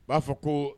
U b'a fɔ ko